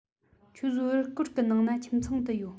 ཁྱོད བཟོའི རུ སྐོར གི ནང ན ཁྱིམ ཚང དུ ཡོད